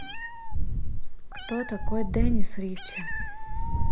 кто такой деннис ритчи